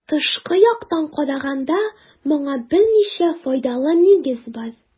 Тышкы яктан караганда моңа берничә файдалы нигез бар.